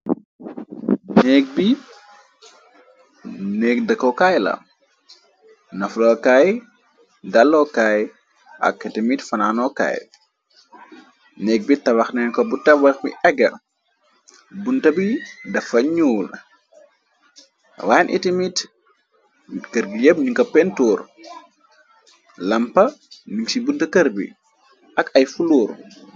Neek bi nek dakokaayla naflokaay dalokaay ak itimit fananokaay nekk bi tabaxneen ko bu tawax bi aga bunta bi dafa ñuu la wayn iti mit kër gi yébb ñu ka pentuur lampa nig ci bunt kër bi ak ay fuluur.